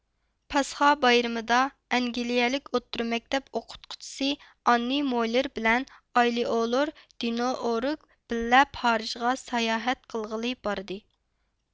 پاسخا بايرىمىدا ئەنگلىيىلىك ئوتتۇرا مەكتەپ ئوقۇتقۇچىسى ئاننى مولېيېر بىلەن ئايلېئولور دېنوئورگ بىللە پارىژغا ساياھەت قىلغىلى باردى